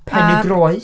Penygroes.